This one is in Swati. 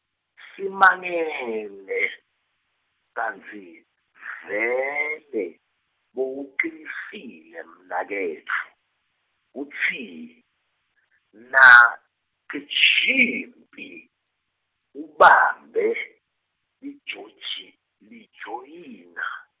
simangele, kantsi, vele, bowucinisile mnaketfu, kutsi, naCijimphi, ubambe, lijoji-, lijoyina?